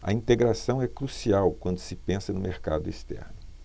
a integração é crucial quando se pensa no mercado externo